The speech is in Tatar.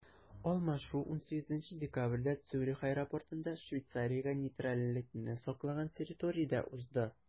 Алмашу 18 декабрьдә Цюрих аэропортында, Швейцариягә нейтральлекне саклаган территориядә узды.